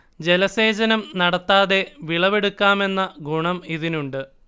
ജലസേചനം നടത്താതെ വിളവെടുക്കാമെന്ന ഗുണം ഇതിനുണ്ട്